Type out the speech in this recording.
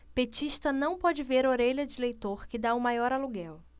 petista não pode ver orelha de eleitor que tá o maior aluguel